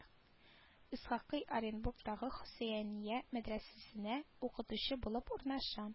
Исхакый оренбургтагы хөсәения мәдрәсәсенә укытучы булып урнаша